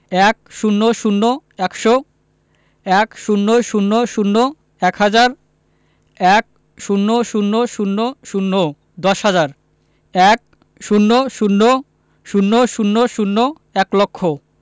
১০০ – একশো ১০০০ – এক হাজার ১০০০০ দশ হাজার ১০০০০০ এক লক্ষ